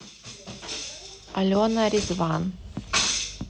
алена ризван